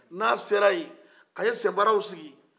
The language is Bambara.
n'a sera yen a ye sɛmparaw sigi